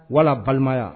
Wala balimaya